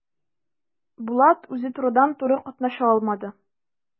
Булат үзе турыдан-туры катнаша алмады.